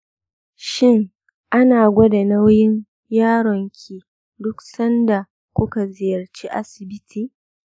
shin ana gwada nauyin yaron ki duk sanda kuka ziyarci asibiti?